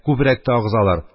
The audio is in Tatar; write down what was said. Күбрәк тә агызалар,